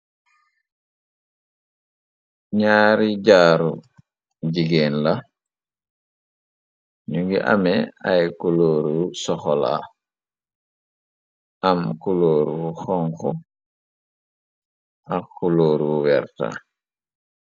Naari jaaru jigéen la ñu ngi ame ay kulooru soxola am kulóoru xonku ak kulóoru werta.